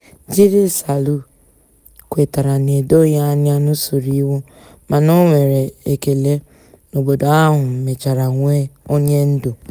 Jide Salu kwetara n'edoghị anya n'usoro iwu, mana o nwere ekele na obodo ahụ mechara nwee onyendu.